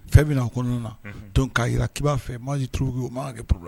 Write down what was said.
Fɛn bɛna kɔnɔna na to ka'a jira k' b'a fɛ maajiuruki o m maa kɛ p